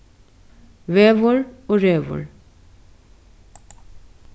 vegur og revur